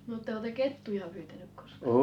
no oletteko te kettuja pyytänyt koskaan